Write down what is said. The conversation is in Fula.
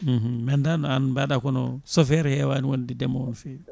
mi andano an mbaɗa kono chauffeur heewani wonde ndeemowo no fewi